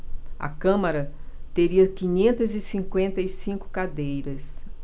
a câmara teria quinhentas e cinquenta e cinco cadeiras